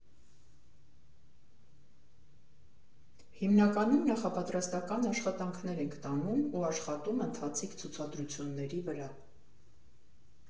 Հիմնականում նախապատրաստական աշխատանքներ ենք տանում ու աշխատում ընթացիկ ցուցադրությունների վրա։